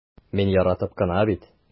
Мин яратып кына бит...